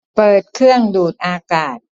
เปิดเครื่องดูดอากาศ